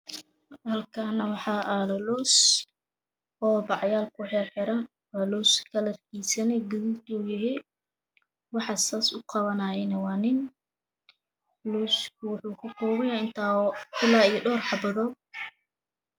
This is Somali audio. Halkan wax yalo loos oo baco kujiro looska kalar kisi waa gadud waxaana hayo nin